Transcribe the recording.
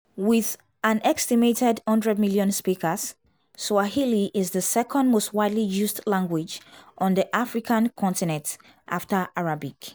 With an estimated 100 million speakers, Swahili is the second-most-widely-used language on the African continent, after Arabic.